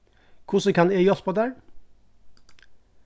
hvussu kann eg hjálpa tær